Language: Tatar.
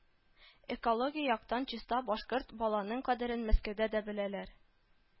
Экология яктан чиста башкорт балының кадерен Мәскәүдә дә беләләр